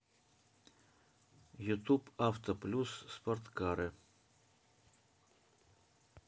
ютуб авто плюс спорткары